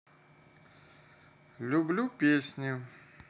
люблю песни